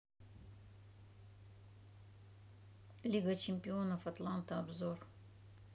лига чемпионов аталанта обзор